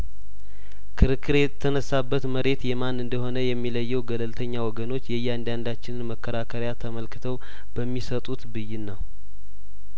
ክርክር የተነሳበት መሬት የማን እንደሆነ የሚለየው ገለልተኛ ወገኖች የእያንዳንዳችንን መከራከሪያ ተመልክተው በሚሰጡት ብይን ነው